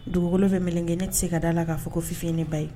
Dugukolo bɛ minɛnkɛ ne tɛ se ka daa la k'a fɔ ko fifinini ne ba ye